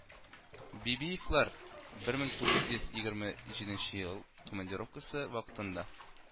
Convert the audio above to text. Бибиевләр бер мең тугыз йөз егерме җиденче ел командировкасы вакытында